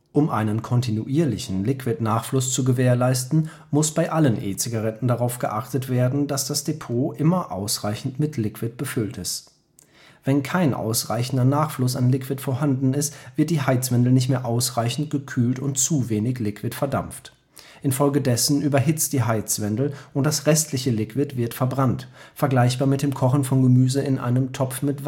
Um einen kontinuierlichen Liquid-Nachfluss zu gewährleisten, muss bei allen E-Zigaretten darauf geachtet werden, dass das Depot immer ausreichend mit Liquid befüllt ist. Wenn kein ausreichender Nachfluss an Liquid vorhanden ist, wird die Heizwendel nicht mehr ausreichend gekühlt und zu wenig Liquid verdampft. Infolgedessen überhitzt die Heizwendel und das restliche Liquid wird verbrannt – vergleichbar mit dem Kochen von Gemüse in einem Topf mit Wasser